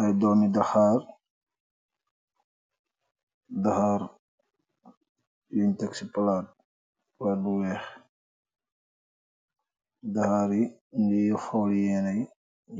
Ay doomi daxaar daxaar yuñ taxi palat bu weex daxaar yi niy tol